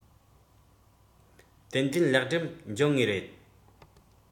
ཏན ཏན ལེགས འགྲུབ འབྱུང ངེས རེད